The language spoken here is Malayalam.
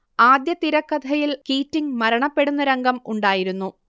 ആദ്യ തിരക്കഥയിൽ കീറ്റിംഗ് മരണപ്പെടുന്ന രംഗം ഉണ്ടായിരുന്നു